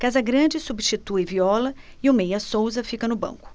casagrande substitui viola e o meia souza fica no banco